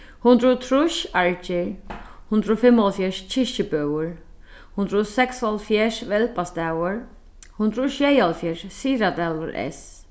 hundrað og trýss argir hundrað og fimmoghálvfjerðs kirkjubøur hundrað og seksoghálvfjerðs velbastaður hundrað og sjeyoghálvfjerðs syðradalur s